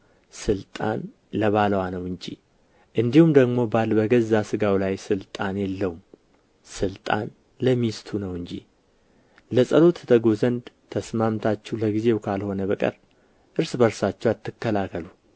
ሥልጣን ለባልዋ ነው እንጂ እንዲሁም ደግሞ ባል በገዛ ሥጋው ላይ ሥልጣን የለውም ሥልጣን ለሚስቱ ነው እንጂ ለጸሎት ትተጉ ዘንድ ተስማምታችሁ ለጊዜው ካልሆነ በቀር እርስ በርሳችሁ አትከላከሉ